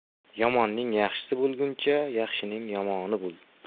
yomonning yaxshisi bo'lguncha yaxshining yomoni bo'l